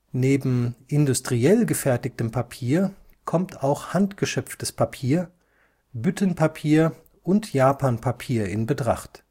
Neben industriell gefertigtem Papier kommt auch handgeschöpftes Papier, Büttenpapier und Japanpapier in Betracht